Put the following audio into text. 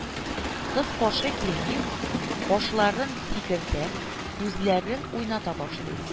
Кыз каршы килми, кашларын сикертә, күзләрен уйната башлый